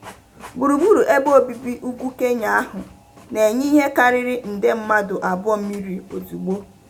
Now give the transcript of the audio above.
Gburugburu ebe obibi Ugwu Kenya ahụ na-enye ihe karịrị nde mmadụ abụọ mmiri ozugbo.